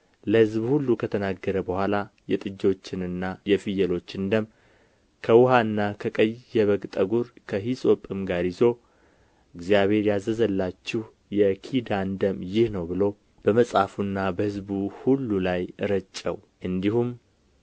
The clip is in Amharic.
ለሕዝቡ ሁሉ ከተናገረ በኋላ የጥጆችንና የፍየሎችን ደም ከውኃና ከቀይ የበግ ጠጕር ከሂሶጵም ጋር ይዞ እግዚአብሔር ያዘዘላችሁ የኪዳን ደም ይህ ነው ብሎ በመጽሐፉና በሕዝቡ ሁሉ ላይ ረጨው እንዲሁም